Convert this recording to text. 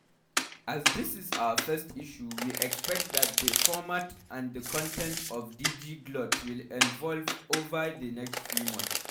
As this is our first issue, we expect that the format and the content of DigiGlot will evolve over the next few months.